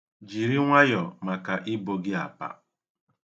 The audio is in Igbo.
Jiri nwayọ maka ibo gị apa.